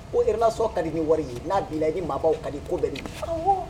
O yɛrɛ sɔn ka di ni wari ye n'a b la i ni maabaw ka di ko bɛ min